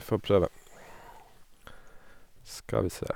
Får prøve Skal vi se.